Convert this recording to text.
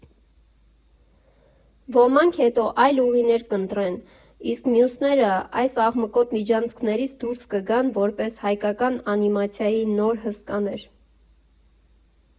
Ոմանք հետո այլ ուղիներ կընտրեն, իսկ մյուսները, այս աղմկոտ միջանցքներից դուրս կգան որպես հայկական անիմացիայի նոր հսկաներ։